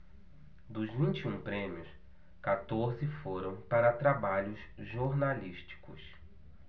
dos vinte e um prêmios quatorze foram para trabalhos jornalísticos